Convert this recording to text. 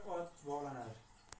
kulib boqar tuyalilar bukilib